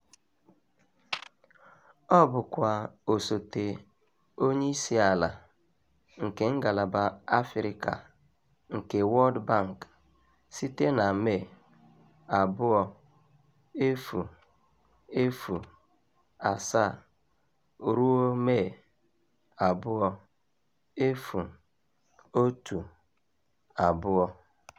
Ọ bụbukwa osote onyeisiala nke ngalaba Afịrịka nke World Bank site na Mee 2007 ruo Mee 2012.